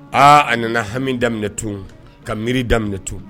Aa a nana hami daminɛ tun ka miiri daminɛ tun